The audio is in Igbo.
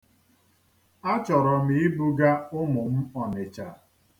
A chọrọ m ibuga ụmụ m Ọnịcha.